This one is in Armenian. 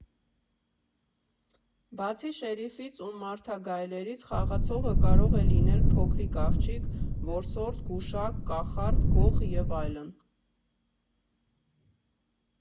Բացի շերիֆից ու մարդագայլերից խաղացողը կարող է լինել փոքրիկ աղջիկ, որսորդ, գուշակ, կախարդ, գող և այլն։